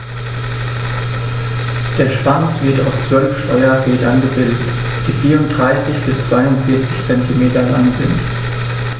Der Schwanz wird aus 12 Steuerfedern gebildet, die 34 bis 42 cm lang sind.